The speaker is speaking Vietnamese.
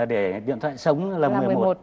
để điện thoại sống là mười một